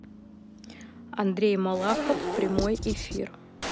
андрей малахов прямой эфир